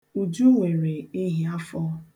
Uju nwere ehiafọ.